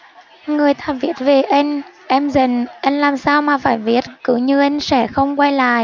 người ta viết về anh em giận anh làm sao mà phải viết cứ như anh sẽ không quay lại